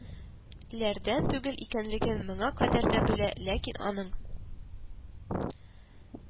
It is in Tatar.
Ләрдән түгел икәнлеген моңа кадәр дә белә, ләкин аның